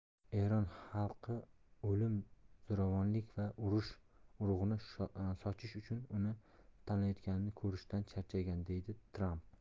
eron xalqi o'lim zo'ravonlik va urush urug'ini sochish uchun uni talayotganini ko'rishdan charchagan deydi tramp